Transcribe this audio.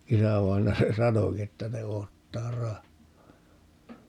isävainaja se sanoikin että ne odottaa rahaa